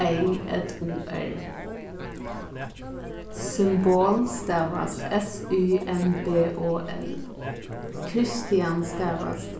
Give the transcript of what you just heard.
ey ð u r symbol stavast s y m b o l christian stavast